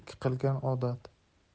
ikki qilgan odat